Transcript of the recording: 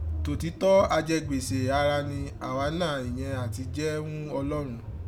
Tòtítọ́ ajẹgbèsè a gha rin, a wá nẹ́ ìyẹ̀n ati jẹ́ ghún Ọlọrọn